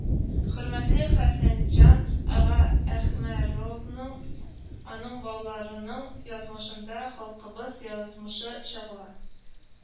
Хөрмәтле Хәсәнҗан ага Әхмәровның, аның балаларының язмышында халкыбыз язмышы чагыла